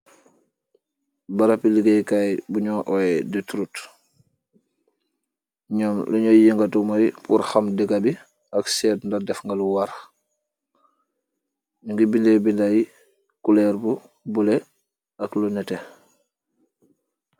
Barappi liggeeykaay buno waaye de trut noom lunuy yingatu mooy puur xam dega bi ak seet nda def nga lu wara nu ngi binde binday kuleer bu bulo ak lu nete.